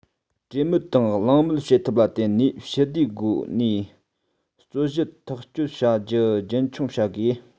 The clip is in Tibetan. གྲོས མོལ དང གླེང མོལ བྱེད ཐབས ལ བརྟེན ནས ཞི བདེའི སྒོ ནས རྩོད གཞི ཐག གཅོད བྱ རྒྱུ རྒྱུན འཁྱོངས བྱ དགོས